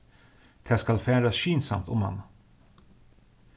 tað skal farast skynsamt um hana